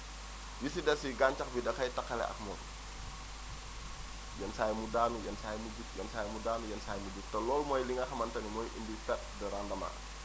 li si des si gàncax bi dafay tàqale ak moom yenn saa yi mu daanu yenn saa yi mu yenn saa yi mu jug danu yenn saa yi mu jug te loolu mooy li nga xamante ni mooy indi perte de rendement